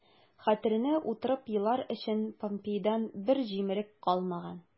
Хәтеренә утырып елар өчен помпейдан бер җимерек калмаган...